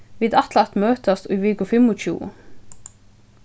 vit ætla at møtast í viku fimmogtjúgu